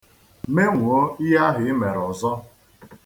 Menwoo ihe ahụ i mere ọzọ.